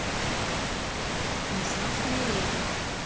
несносные леди